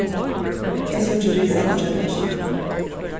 eg síggi risan og kellingina